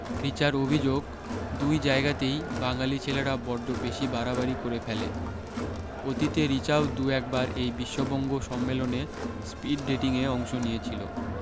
রিচার অভি্যোগ দুই জায়গাতেই বাঙালী ছেলেরা বডড বেশী বাড়াবাড়ি করে ফেলে অতীতে রিচাও দু একবার এই বিশ্ববঙ্গ সম্মেলনে স্পীড ডেটিয়ে অংশ নিয়ে ছিল